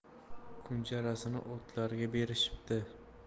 kunjarasini otlarga berishibdi